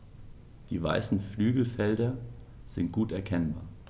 Die weißen Flügelfelder sind gut erkennbar.